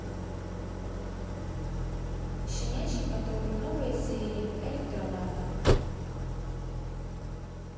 щенячий патруль новые серии электролапы